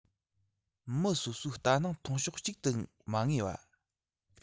མི སོ སོའི ལྟ སྣང མཐོང ཕྱོགས གཅིག ཏུ མ ངེས པ